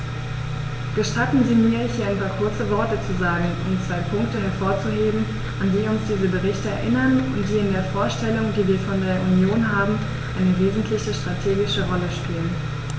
Gestatten Sie mir, hier ein paar kurze Worte zu sagen, um zwei Punkte hervorzuheben, an die uns diese Berichte erinnern und die in der Vorstellung, die wir von der Union haben, eine wesentliche strategische Rolle spielen.